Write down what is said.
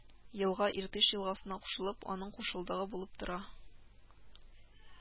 Елга Иртыш елгасына кушылып, аның кушылдыгы булып тора